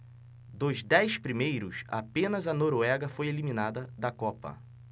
dos dez primeiros apenas a noruega foi eliminada da copa